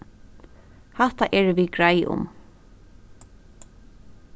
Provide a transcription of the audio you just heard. hatta eru vit greið um